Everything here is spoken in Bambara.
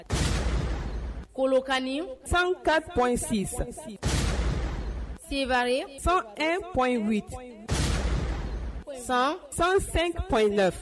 Kolonkani san kasiri san e- san sansen in